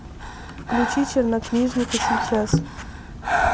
включи чернокнижника сейчас